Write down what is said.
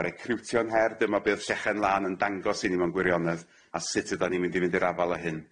Ma' recriwtio'n her dyma be' odd Llechen Lan yn dangos i ni mewn gwirionedd a sut ydan ni'n mynd i fynd i'r afal â hyn,